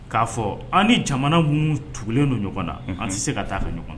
K'a fɔ an ni jamana minnu tugulen don ɲɔgɔn na an tɛ se ka taa a fɛ ɲɔgɔn na